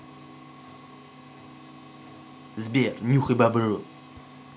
сбер нюхай бобру